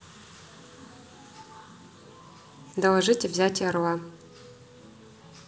доложить о взятии орла